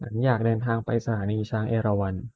ฉันอยากเดินทางไปสถานีช้างเอราวัณ